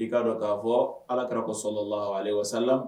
I k'a dɔn k'a fɔ ala kɛra ko so ma ayiwa wa sa